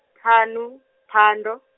ṱhanu, phando.